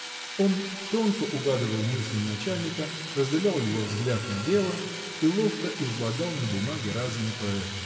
Он тонко угадывал мысль начальника, разделял его взгляд на дело и ловко излагал на бумаге разные проекты.